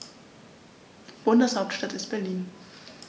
Bundeshauptstadt ist Berlin.